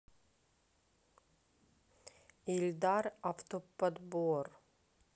ильдар автоподбор